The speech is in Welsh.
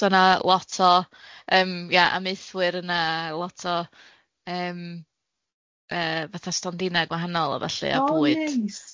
So o'dd 'na lot o yym ia ameuthwyr yna, lot o yym yy fatha stondina gwahanol a ballu a bwyd.